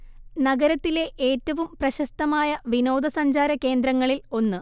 നഗരത്തിലെ ഏറ്റവും പ്രശസ്തമായ വിനോദസഞ്ചാര കേന്ദ്രങ്ങളിൽ ഒന്ന്